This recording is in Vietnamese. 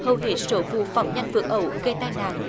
hầu hết số vụ phóng nhanh vượt ẩu gây tai nạn